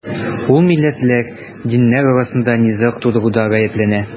Ул милләтләр, диннәр арасында низаг тудыруда гаепләнә.